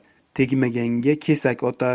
tegmaganga kesak otar